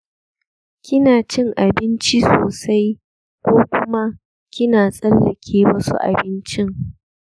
kina cin abinci sosai ko kuma kina tsallake wasu abincin?